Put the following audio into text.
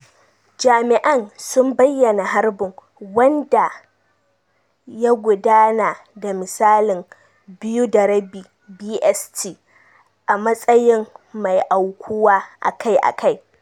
Jami’an sun bayyana harbin, wanda ya gudana da misalin 02:30 BST, a matsayin “mai aukuwa akai-akai.”